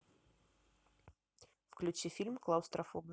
включи фильм клаустрофобы